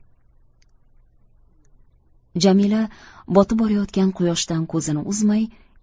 jamila botib borayotgan quyoshdan ko'zini uzmay